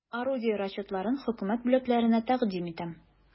Орудие расчетларын хөкүмәт бүләкләренә тәкъдим итәм.